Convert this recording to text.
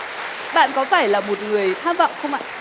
bạn có phải là một người tham vọng không ạ